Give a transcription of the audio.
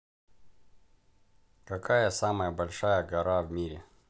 какая самая большая гора в мире